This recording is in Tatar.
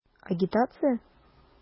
Агитация?!